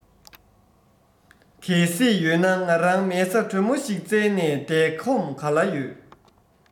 གལ སྲིད ཡོད ན ང རང མལ ས དྲོན མོ ཞིག བཙལ ནས བསྡད ཁོམ ག ལ ཡོད